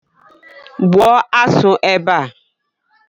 Gbụọ asụ ebe a.